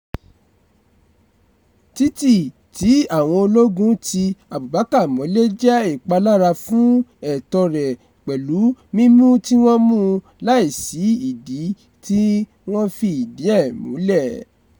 Títì tí àwọn ológun ti Abubacar mọ́lé jẹ́ ìpalára fún ẹ̀tọ́ rẹ pẹ̀lú mímú tí wọ́n mú un láìsí ìdí tí wọ́n fi ìdí ẹ múlẹ̀.